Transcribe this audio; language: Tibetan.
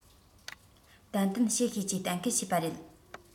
ཏན ཏན བྱེད ཤེས ཀྱི གཏན འཁེལ བྱས པ རེད